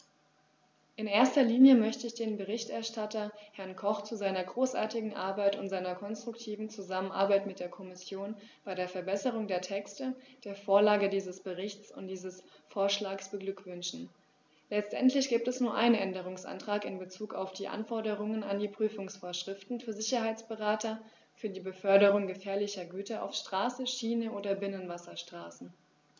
In erster Linie möchte ich den Berichterstatter, Herrn Koch, zu seiner großartigen Arbeit und seiner konstruktiven Zusammenarbeit mit der Kommission bei der Verbesserung der Texte, der Vorlage dieses Berichts und dieses Vorschlags beglückwünschen; letztendlich gibt es nur einen Änderungsantrag in bezug auf die Anforderungen an die Prüfungsvorschriften für Sicherheitsberater für die Beförderung gefährlicher Güter auf Straße, Schiene oder Binnenwasserstraßen.